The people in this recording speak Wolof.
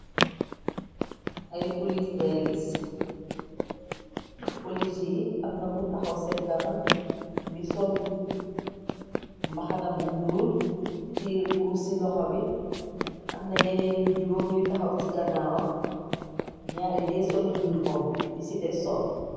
ay ngay gis polis yi amna ku taxaw seen kana ngi solu mbaxana bu ñuul tie kuru ci loxo bi am na yeneen juróom ñuy taxaw ci ganaawa ñaaryi dee solu ñuy fom yi ci des soll